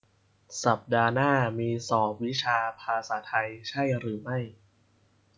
สัปดาห์หน้ามีสอบวิชาภาษาไทยใช่หรือไม่